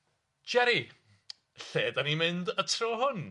Jerry, lle 'dan ni'n mynd y tro hwn?